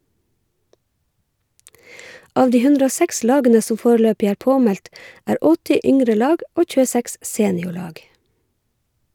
Av de 106 lagene som foreløpig er påmeldt, er 80 yngre lag og 26 seniorlag.